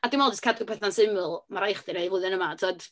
A dwi'n meddwl, jyst cadw pethau'n syml, ma' raid chdi wneud flwyddyn yma, tibod.